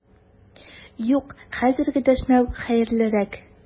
Юк, хәзергә дәшмәү хәерлерәк!